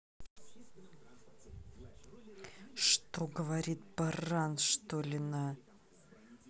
что говорит баран что ли на